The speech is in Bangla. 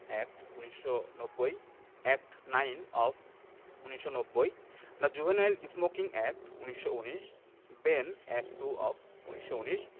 Act ১৮৯০ act nine of ১৮৯০ the juvenile smoking act ১৯১৯ Ben. Act two of ১৯১৯